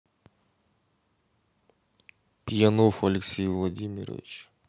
пьянов алексей владимирович